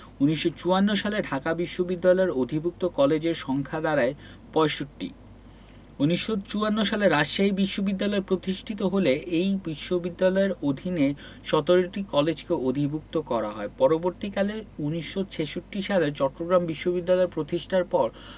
১৯৫৪ সালে ঢাকা বিশ্ববিদ্যালয়ের অধিভুক্ত কলেজের সংখ্যা দাঁড়ায় ৬৫ ১৯৫৪ সালে রাজশাহী বিশ্ববিদ্যালয় প্রতিষ্ঠিত হলে এই বিশ্ববিদ্যালয়ের অধীনে ১৭টি কলেজকে অধিভুক্ত করা হয় পরবর্তীকালে ১৯৬৬ সালে চট্টগ্রাম বিশ্ববিদ্যালয় প্রতিষ্ঠার পর